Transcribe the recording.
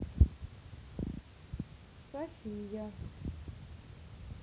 софия